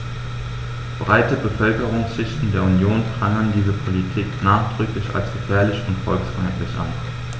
Breite Bevölkerungsschichten der Union prangern diese Politik nachdrücklich als gefährlich und volksfeindlich an.